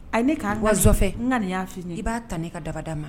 A ne k'afɛ n i b'a ta ne ka dada ma